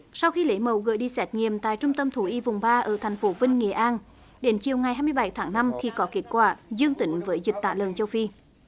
sau khi lấy mẫu gửi đi xét nghiệm tại trung tâm thú y vùng ba ở thành phố vinh nghệ an đến chiều ngày hai mươi bảy tháng năm thì có kết quả dương tính với dịch tả lợn châu phi